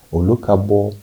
Olu ka bɔ